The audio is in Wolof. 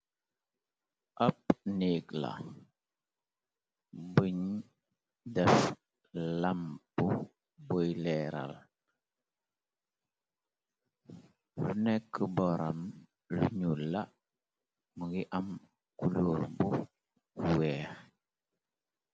Ab nieg la buñ def lamp buy leeral, lu nekk boram lu ñuul la. Mungi am kulóor bu weex.